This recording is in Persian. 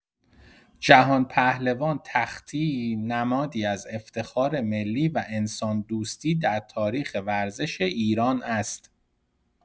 جهان‌پهلوان تختی نمادی از افتخار ملی و انسان‌دوستی در تاریخ ورزش ایران است.